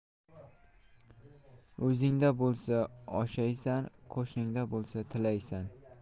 o'zingda bo'lsa oshaysan qo'shningda bo'lsa tilaysan